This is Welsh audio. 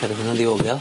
Cadw hwnna'n ddiogel.